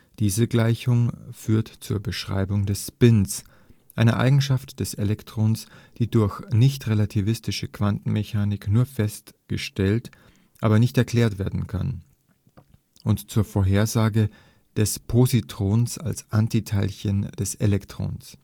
Diese Gleichung führt zur Beschreibung des Spins, einer Eigenschaft des Elektrons, die durch die nichtrelativistische Quantenmechanik nur festgestellt, aber nicht erklärt werden kann, und zur Vorhersage des Positrons als Antiteilchen des Elektrons